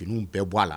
primes bɛɛ b bɔ' a la